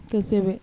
Kosɛbɛ